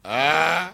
A